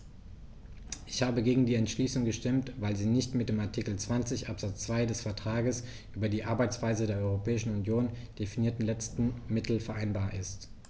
Ich habe gegen die Entschließung gestimmt, weil sie nicht mit dem in Artikel 20 Absatz 2 des Vertrags über die Arbeitsweise der Europäischen Union definierten letzten Mittel vereinbar ist.